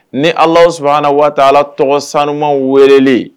Ni Alahu subahana watala tɔgɔ sanu weleli